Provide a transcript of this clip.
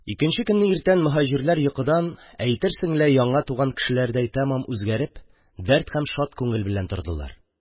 Икенче көнне иртән моһаҗирлар йокыдан әйтерсең лә яңа туган кешеләрдәй тамам үзгәреп, дәрт һәм шат күңел белән тордылар.